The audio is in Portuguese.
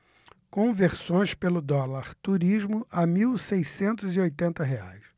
conversões pelo dólar turismo a mil seiscentos e oitenta reais